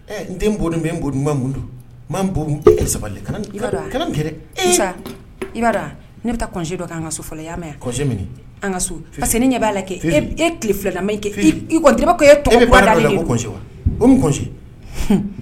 N den bo bɛ nba sabali i'a ne bɛ taa kɔse dɔ an ka so fɔlɔ i'a an ka ɲɛ b'a la kɛ e tile filala ma kɛ fɛ i ko e tɔgɔ ko wa o